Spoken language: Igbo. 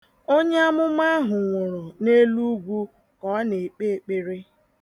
Agwọ nworo ahụ ya ebe a.